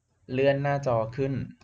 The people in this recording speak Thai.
เลื่อนหน้าจอขึ้น